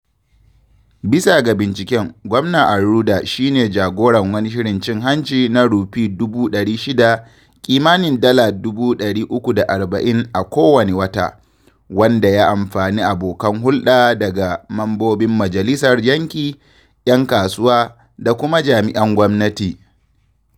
Bisa ga binciken, Gwamna Arruda shi ne jagoran wani shirin cin hanci na R$ 600,000 (kimanin $340,000) a kowane wata, wanda ya amfani abokan hulɗa daga mambobin majalisar yankin, ‘yan kasuwa, da kuma jami’an gwamnati.